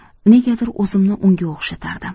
negadir o'zimni unga o'xshatardim